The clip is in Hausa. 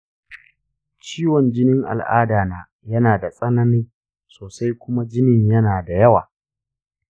ciwon jinin al’ada na yana da tsanani sosai kuma jinin yana da yawa.